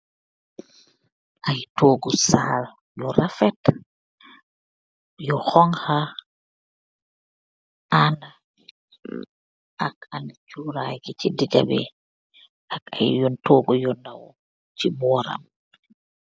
ayyei togu sal.